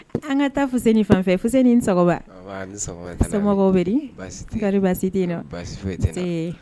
An ŋa taa Fuseni fanfɛ Fuseni i ni sɔgɔma anbaa i ni sɔgɔma somɔgɔw be di baasi te ye kodi baasi te yen nɔ baasi foyi te na nsee